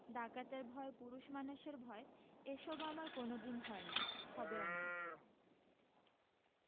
ডাকাতের ভয় পুরুষ মানুষের ভয় এসবও আমার কোনোদিন হয়নি হবেও না